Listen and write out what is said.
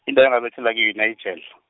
indawo engabethelwa kiyo yi- Nigel.